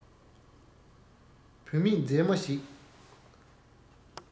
བུད མེད མཛེས མ ཞིག